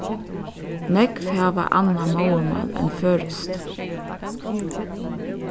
nógv hava annað móðurmál enn føroyskt